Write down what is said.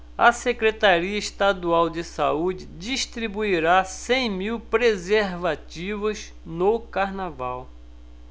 a secretaria estadual de saúde distribuirá cem mil preservativos no carnaval